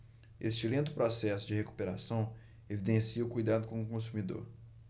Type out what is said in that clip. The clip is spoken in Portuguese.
este lento processo de recuperação evidencia o cuidado com o consumidor